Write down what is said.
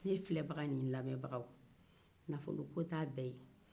ne filɛbaga ni ne lamɛnbagaw nafolo ko tɛ a bɛ ye